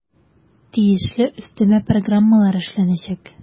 Тиешле өстәмә программалар эшләнәчәк.